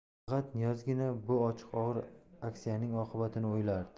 faqat niyozgina bu ochiq og'ir askiyaning oqibatini o'ylardi